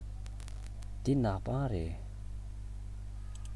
འདི ནག པང རེད